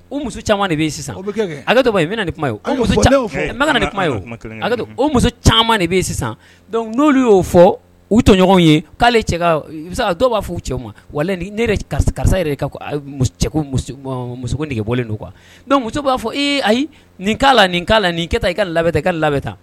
O muso caman de bɛ ye bɛna nin o nin kuma ye o muso caman de bɛ n'olu y'o fɔ u tɔɲɔgɔn ye k'ale dɔw b'a fɔ u cɛ ma wa karisa yɛrɛ muso bɔlen don kuwa muso b'a fɔ ee ayi nin' nin' taa i ka labɛn i ka labɛn